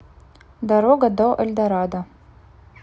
дорога до эльдорадо